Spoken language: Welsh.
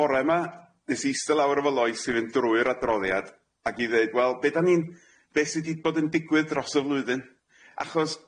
Bore 'ma nes i iste lawr efo Lois i fynd drwy'r adroddiad ag i ddeud wel be' 'dan ni'n beth sy 'di bod yn digwydd dros y flwyddyn achos